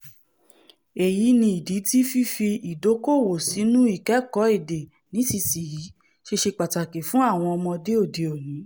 Èyí ní ìdí tí fífi ìdókòòwò sínú ìkẹ́kọ̀ọ́ èdè nísinsìnyí ṣeṣe pàtàkì fún àwọn ọmọdé òde-òní.